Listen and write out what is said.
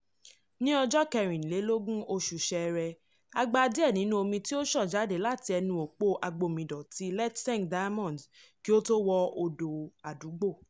Ní ọjọ́ 24 oṣù Ṣẹ́ẹ́rẹ́, a gba díẹ̀ nínú omi tí ó ń ṣàn jáde láti ẹnu òpó agbómiìdọ̀tí Letšeng Diamonds kí ó tó wọ odò àdúgbò.